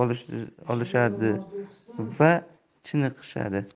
rohat olishadi va chiniqishadi